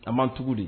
An man tugu di